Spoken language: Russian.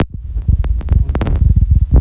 кузбасс